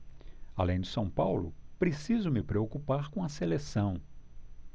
além do são paulo preciso me preocupar com a seleção